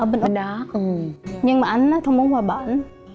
bên đó nhưng mà anh nói không muốn qua bển